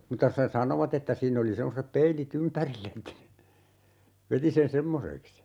mutta se sanoivat että siinä oli semmoiset peilit ympärillä että veti sen semmoiseksi